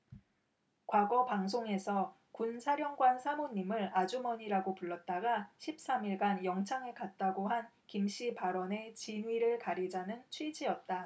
과거 방송에서 군사령관 사모님을 아주머니라고 불렀다가 십 삼 일 간 영창에 갔다고 한 김씨 발언의 진위를 가리자는 취지였다